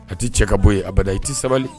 A tɛ cɛ ka bɔ yen abada i tɛ sabali